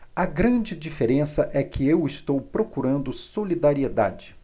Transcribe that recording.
a grande diferença é que eu estou procurando solidariedade